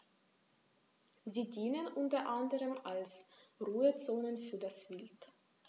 Sie dienen unter anderem als Ruhezonen für das Wild.